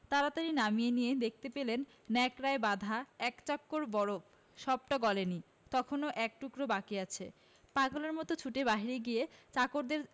তাড়াতাড়ি নামিয়ে নিয়ে দেখতে পেলেন ন্যাকড়ায় বাঁধা এক চাঙড় বরফ সবটা গলেনি তখনও এক টুকরো বাকি আছে পাগলের মত ছুটে বাহিরে গিয়ে চাকরদের